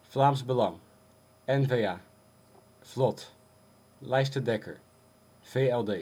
Vlaams Belang N-VA VLOTT Lijst Dedecker (LDD